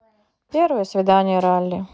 первое свидание ралли